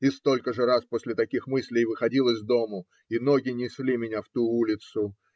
И столько же раз после таких мыслей выходил из дому, и ноги несли меня в ту улицу.